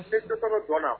I to ko na